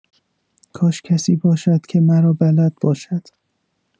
کاش کسی باشدکه مرا بلد باشد!